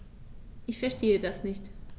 Ich verstehe das nicht.